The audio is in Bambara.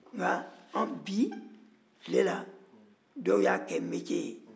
nka bi tile la dɔw y'a kɛ baarada ye